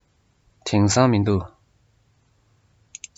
དེང སང མི འདུག